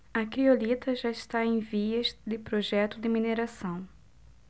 a criolita já está em vias de projeto de mineração